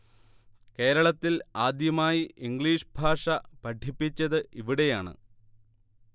കേരളത്തിൽ ആദ്യമായി ഇംഗ്ലീഷ് ഭാഷ പഠിപ്പിച്ചത് ഇവിടെയാണ്